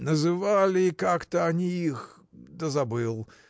– Называли как-то они их, да забыл.